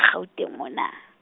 Gauteng mona.